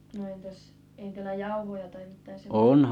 no entäs ei teillä jauhoja tai mitään semmoista